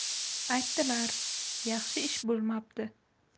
aytdilar yaxshi ish bo'lmabdi